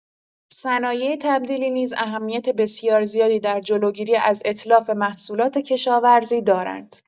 صنایع تبدیلی نیز اهمیت بسیار زیادی در جلوگیری از اتلاف محصولات کشاورزی دارند.